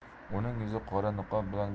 uning yuzi qora niqob bilan